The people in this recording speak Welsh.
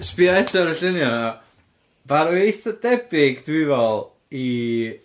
sbïa eto ar y lluniau 'na, maen nhw'n eitha debyg 'dw i'n meddwl i...